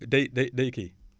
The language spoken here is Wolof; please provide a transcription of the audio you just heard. day day day kii